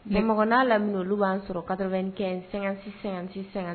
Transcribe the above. Mɛ m n'a lam olu b'a sɔrɔ kato kɛ s-sɛ-sɛ